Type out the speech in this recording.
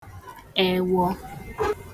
ewọ̄